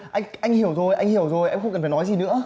anh anh hiểu rồi anh hiểu rồi em không cần phải nói gì nữa